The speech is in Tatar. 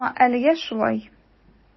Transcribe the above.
Әмма әлегә шулай.